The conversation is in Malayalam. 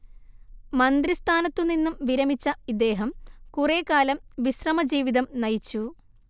മന്ത്രിസ്ഥാനത്തുനിന്നും വിരമിച്ച ഇദ്ദേഹം കുറേക്കാലം വിശ്രമജീവിതം നയിച്ചു